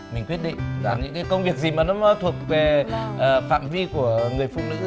mình quyết định còn những cái công việc gì mà nó thuộc về à phạm vi của người phụ nữ